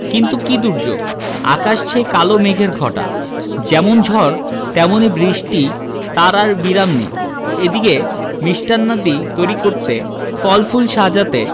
কিন্তু কি দুর্যোগ আকাশ ছেয়ে কালো মেঘের ঘটা যেমন ঝড় তেমনি বৃষ্টি তার আর বিরাম নেই এদিকে মিষ্টান্নাদি তৈরি করতে ফল ফুল সাজাতে